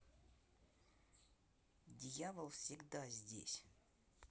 дьявол всегда здесь